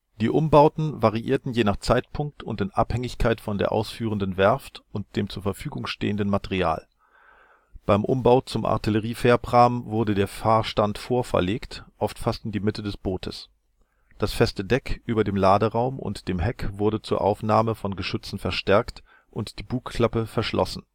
Die Umbauten variierten je nach Zeitpunkt und in Abhängigkeit von der ausführenden Werft und dem zur Verfügung stehenden Material. Beim Umbau zum Artilleriefährprahm wurde der Fahrstand vorverlegt, oft fast in die Mitte des Bootes. Das feste Deck über dem Laderaum und dem Heck wurde zur Aufnahme von Geschützen verstärkt und die Bugklappe verschlossen